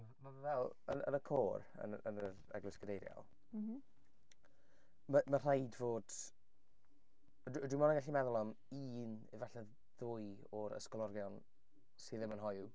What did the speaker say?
Mae fe fel... Yn yn y cor yn yn yr Eglwys Gadeiriol... m-hm... ma' ma' rhaid fod... dwi dwi mond yn gallu meddwl am un. Efallai ddwy o'r ysgolorion sydd ddim yn hoyw.